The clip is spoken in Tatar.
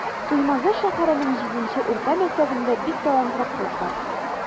Туймазы шәһәренең 7 нче урта мәктәбендә бик талантлы кыз бар.